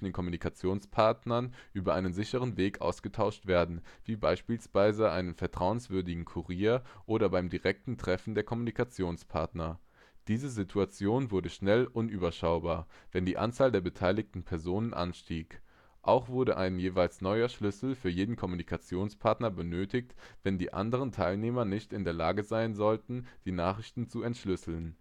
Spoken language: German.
Kommunikationspartnern über einen sicheren Weg ausgetauscht werden, wie beispielsweise durch einen vertrauenswürdigen Kurier oder beim direkten Treffen der Kommunikationspartner. Diese Situation wurde schnell unüberschaubar, wenn die Anzahl der beteiligten Personen anstieg. Auch wurde ein jeweils neuer Schlüssel für jeden Kommunikationspartner benötigt, wenn die anderen Teilnehmer nicht in der Lage sein sollten, die Nachrichten zu entschlüsseln